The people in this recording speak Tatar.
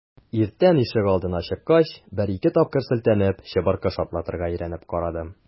Иртән ишегалдына чыккач, бер-ике тапкыр селтәнеп, чыбыркы шартлатырга өйрәнеп карадым.